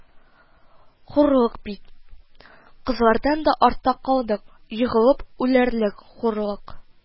Хурлык бит, кызлардан да артта калдык, егылып үләрлек хурлык